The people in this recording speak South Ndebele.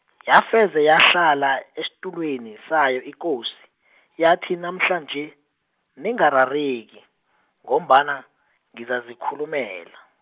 yafese yahlala esitulweni sayo ikosi , yathi namhlanje, ningarareki, ngombana, ngizazikhulumela.